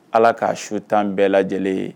Ala k'a su tan bɛɛ lajɛlen ye